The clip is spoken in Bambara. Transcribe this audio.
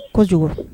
Kojugu